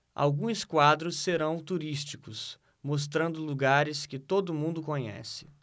alguns quadros serão turísticos mostrando lugares que todo mundo conhece